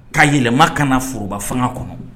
Ka yɛlɛma ka foroba fanga kɔnɔ